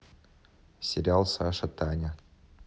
сериал саша таня